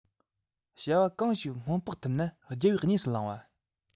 བྱ བ གང ཞིག སྔོན དཔག ཐུབ ན རྒྱལ བའི གནས སུ ལངས པ